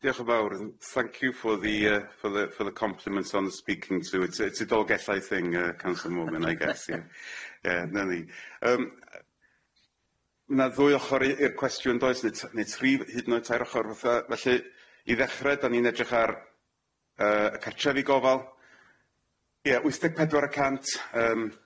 Diolch yn fawr yym thank you for the yy for the for the compliment on speaking to it's it's a Dolgellau thing yy come from the moment I guess yeah yeah nawn ni yym yy ma' ddwy ochor i i'r cwestiwn does ne' t- ne' tri- hyd yn oed tair ochor fatha felly i ddechre dan ni'n edrych ar yy y cartrefi gofal ie wyth deg pedwar y cant yym.